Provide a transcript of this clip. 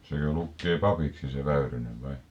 sekö lukee papiksi se Väyrynen vai